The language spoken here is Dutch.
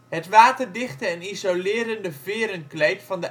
Het waterdichte en isolerende verenkleed van